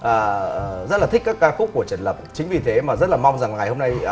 ờ rất là thích các ca khúc của trần lập chính vì thế mà rất là mong rằng ngày hôm nay